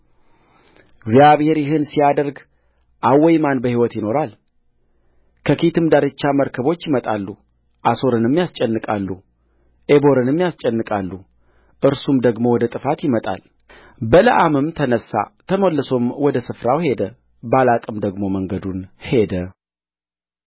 እግዚአብሔር ይህን ሲያደርግ አወይ ማን በሕይወት ይኖራል ከኪቲም ዳርቻ መርከቦች ይመጣሉአሦርንም ያስጨንቃሉዔቦርንም ያስጨንቃሉእርሱም ደግሞ ወደ ጥፋት ይመጣልበለዓምም ተነሣ ተመልሶም ወደ ስፍራው ሄደ ባላቅም ደግሞ መንገዱን ሄደ